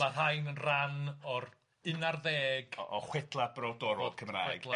Ma' rhain yn ran o'r un ar ddeg o... O chwedla brodorol Cymraeg... o chwedla brodorol...